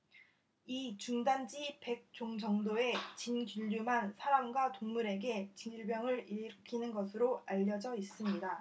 이 중 단지 백 종 정도의 진균류만 사람과 동물에게 질병을 일으키는 것으로 알려져 있습니다